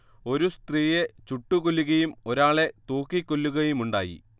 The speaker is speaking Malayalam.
ഒരു സ്ത്രീയെ ചുട്ടുകൊല്ലുകയും ഒരാളെ തൂക്കിക്കൊല്ലുകയുമുണ്ടായി